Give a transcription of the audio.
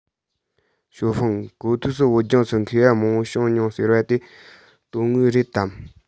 ཞའོ ཧྥུང གོ ཐོས སུ བོད ལྗོངས སུ མཁས པ མང པོ བྱུང མྱོང ཟེར བ དེ དོན དངོས རེད དམ